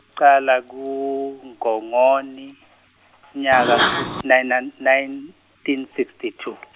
kucala kuNgongoni, nyaka, nine nun- nineteen sixty two .